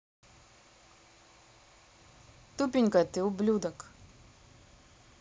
тупенькая ты ублюдок